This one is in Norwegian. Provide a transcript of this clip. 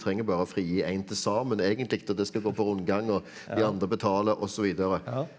trenger bare frigi én til sammen egentlig og det skal gå på rundgang og de andre betaler og så videre.